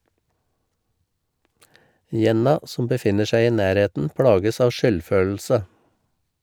Jenna, som befinner seg i nærheten, plages av skyldfølelse.